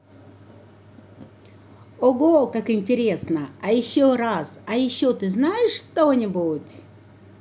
ого как интересно а еще раз а еще ты знаешь что нибудь